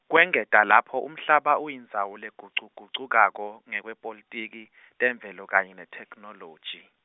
kwengeta lapho umhlaba uyindzawo legucugucukako, ngekwepolitiki, temvelo kanye netethekhinoloji.